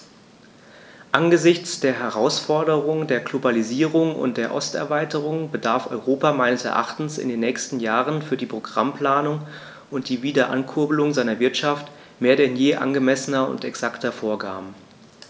Angesichts der Herausforderung der Globalisierung und der Osterweiterung bedarf Europa meines Erachtens in den nächsten Jahren für die Programmplanung und die Wiederankurbelung seiner Wirtschaft mehr denn je angemessener und exakter Vorgaben.